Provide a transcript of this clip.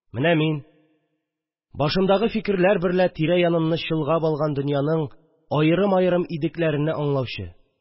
Менә мин – башымдагы фикерләр берлә тирә янымны чолгап алган дөньяның аерым-аерым идекләрене аңлаучы